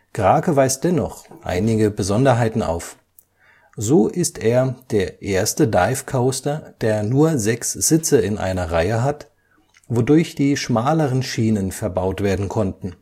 Krake weist dennoch einige Besonderheiten auf. So ist er der erste Dive Coaster, der nur sechs Sitze in einer Reihe hat, wodurch die schmaleren Schienen verbaut werden konnten